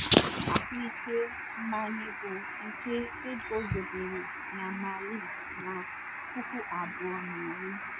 Mgbochi ahụike mmanye bụ nke eguzobere na Mali na 2010.